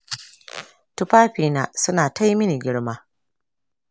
tufafina su na ta yi mini girma.